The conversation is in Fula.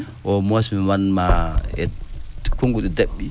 au moins mi waɗmaa e konnguɗi daɓɓi